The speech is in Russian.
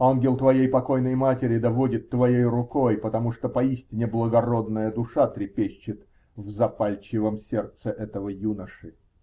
Ангел твоей покойной матери да водит твоей рукою, потому что поистине благородная душа трепещет в запальчивом сердце этого юноши.